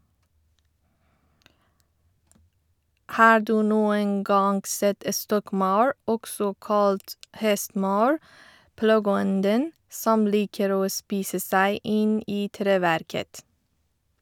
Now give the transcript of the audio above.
Har du noen gang sett stokkmaur, også kalt hestemaur, plageånden som liker å spise seg inn i treverket?